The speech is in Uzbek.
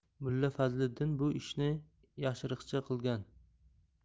mulla fazliddin bu ishni yashiriqcha qilgan